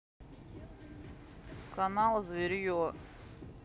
канал зверье